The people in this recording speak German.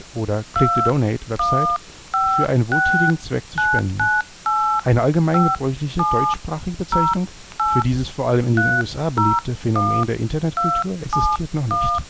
oder Click-to-Donate-Website) für einen wohltätigen Zweck zu spenden. Eine allgemein gebräuchliche deutschsprachige Bezeichnung für dieses vor allem in den USA beliebte Phänomen der Internetkultur existiert noch nicht